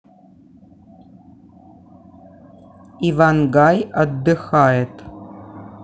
ивангай отдыхает